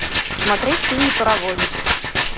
смотреть синий паровозик